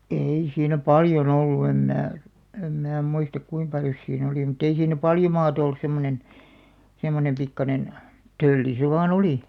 ei siinä paljon ollut en minä en minä muista kuinka paljon siinä oli mutta ei siinä paljon maata ollut semmoinen semmoinen pikkuinen tölli se vain oli